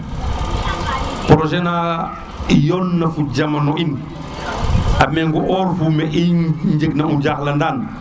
projet na yoon na fa jamano in a mego or fo me jeng na o njax le an